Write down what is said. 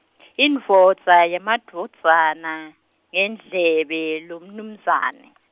indvodza yemadvodzana, ngendlebe lomnumzane .